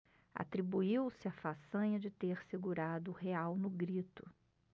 atribuiu-se a façanha de ter segurado o real no grito